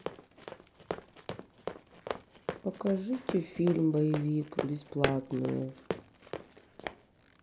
покажите фильм боевик бесплатные